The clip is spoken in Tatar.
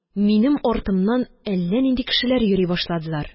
Минем артымнан әллә нинди кешеләр йөри башладылар.